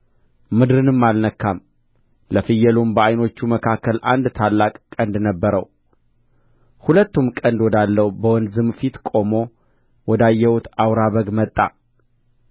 ምድርንም አልነካም ለፍየሉም በዓይኖቹ መካከል አንድ ታላቅ ቀንድ ነበረው ሁለትም ቀንድ ወዳለው በወንዝም ፊት ቆሞ ወዳየሁት አውራ በግ መጣ